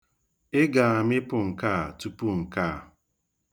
Ị ga-amịpụ nke a tupu nke a.